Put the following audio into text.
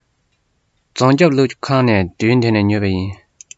རྫོང རྒྱབ ཀླུ ཁང གི མདུན དེ ནས ཉོས པ ཡིན